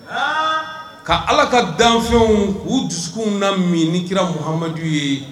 Aa ka ala ka danfɛnw ku dusukunw la min ni kira Muhamadu ye.